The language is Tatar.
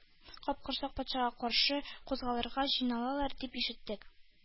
Капкорсак патшага каршы кузгалырга җыйналалар дип ишеттек,